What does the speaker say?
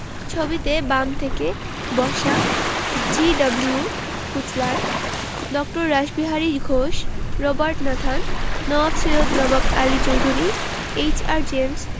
ছবিতে বাম থেকে বসা G W. Kuchler Dr. Rashbehari Ghosh Robert Nathan Nawab Syed Nawab Ali Chowdhury H R. James